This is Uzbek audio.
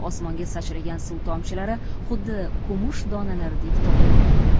osmonga sachragan suv tomchilari xuddi kumush donalaridek tovlanar edi